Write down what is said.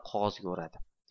qog'oziga o'radi